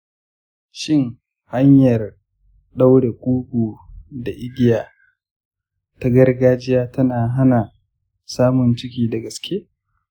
shin hanyar ɗaure kugu da igiya ta gargajiya tana hana samun ciki da gaske?